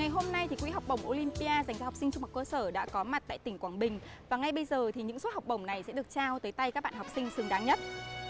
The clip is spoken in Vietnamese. ngày hôm nay thì quỹ học bổng olympia dành cho học sinh trung học cơ sở đã có mặt tại tỉnh quảng bình và ngay bây giờ thì những suất học bổng này sẽ được trao tới tay các bạn học sinh xứng đáng nhất